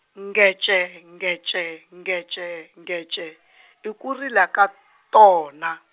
ngece, ngece, ngece, ngece , i ku rila ka tona.